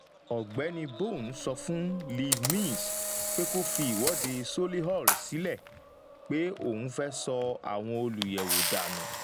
Ọ̀gbẹ́ni Bone sọ fún Leave Means pé kó fi ìwọ́de Solihull sílẹ̀ pé òun fẹ́ 'sọ àwọn olùyẹ̀wò dànú'.